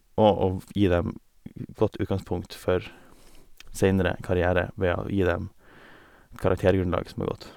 Og å v gi dem godt utgangspunkt for seinere karriere ved å gi dem karaktergrunnlag som er godt.